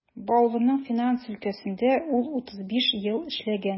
Баулының финанс өлкәсендә ул 35 ел эшләгән.